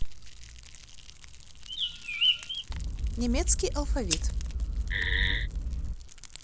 немецкий алфавит